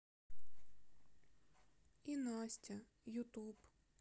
и настя ютуб